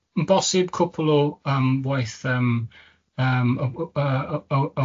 M- bosib cwpwl o yym waith yym yym yy yy y y y wythn-